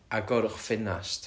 agorwch ffenast